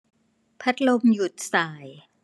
พัดลมหยุดส่าย